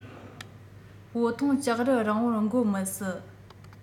སྤོ ཐུང ལྕགས རི རིང བོར འགོད མི སྲིད